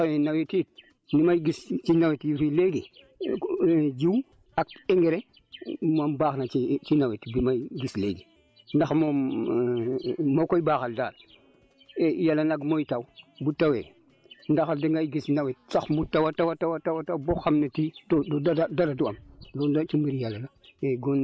ndax nawet yi li may gis ci nawet yi fii léegi jiw ak engrais moom baax na ci ci nawet bi may gis léegi ndax moom moo koy baaxal daal et yàlla nag mooy taw bu tawee ndax dangay gis nawet sax mu taw a taw a taw a taw ba xam ne kii too dara dara du am loolu nag ci mbiru yàlla la